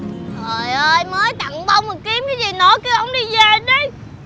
trời ơi mới tặng bông mà kiếm cái gì nữa kêu ổng đi về đi